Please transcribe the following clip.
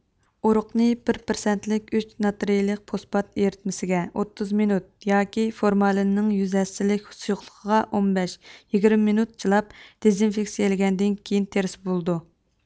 ئۇرۇقنى بىر پىرسەنتلىك ئۈچ ناترىيلىق فوسفات ئېرىتمىسىگە ئوتتۇز مىنۇت ياكى فورمالىننىڭ يۈز ھەسسىلىك سۇيۇقلۇقىغا ئون بەش يىگىرمە مىنۇت چىلاپ دېزىنفېكسىيىلىگەندىن كېيىن تېرسا بۇلىدۇ